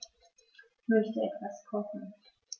Ich möchte etwas kochen.